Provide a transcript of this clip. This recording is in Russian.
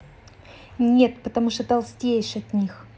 нет потому что толстеешь от них